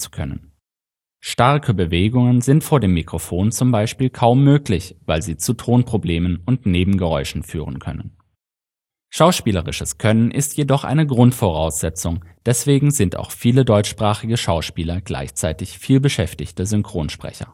können. Starke Bewegungen sind vor dem Mikrofon zum Beispiel kaum möglich, weil sie zu Tonproblemen und Nebengeräuschen führen können. Schauspielerisches Können ist jedoch eine Grundvoraussetzung, deswegen sind auch viele deutschsprachige Schauspieler gleichzeitig vielbeschäftigte Synchronsprecher